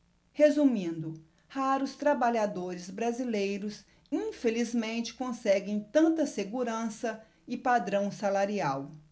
resumindo raros trabalhadores brasileiros infelizmente conseguem tanta segurança e padrão salarial